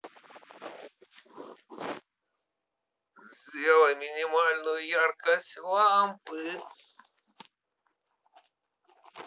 сделай минимальную яркость лампы